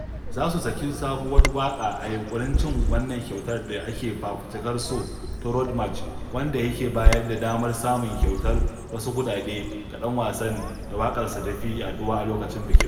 Za su saki sabuwar waƙa a yunƙurin cin wannan kyautar da ake fafutukar so ta Road March wanda yake bayar da damar samun kyautar wasu kuɗaɗe ga ɗan wasan da waƙarsa ta fi yaɗuwa a lokacin bikin.